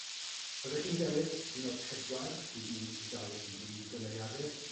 Byddech chi'n dewis un o'r pedwar dwi 'di 'u galw yn brif gymeriade?